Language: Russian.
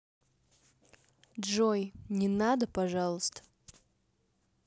джой не надо пожалуйста